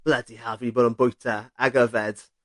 blydi hell fi bod yn bwyta, ag yfed